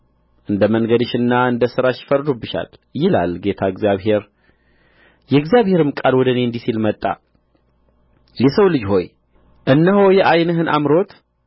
እንደ መንገድሽና እንደ ሥራሽ ይፈርዱብሻል ይላል ጌታ እግዚአብሔር የእግዚአብሔርም ቃል ወደ እኔ እንዲህ ሲል መጣ የሰው ልጅ ሆይ እነሆ የዓይንህን አምሮት